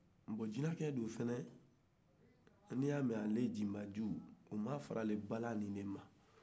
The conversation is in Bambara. bon jinacɛ tun fana ka sababu bɛɛ bɛ bala nin dela